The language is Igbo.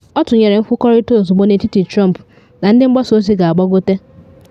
Ọ tụnyere nkwukọrịta ozugbo n’etiti Trump na ndị mgbasa ozi ga-agbagote.